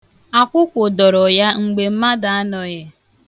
Akwụkwụ dọrọ ya mgbe mmadụ anọghị.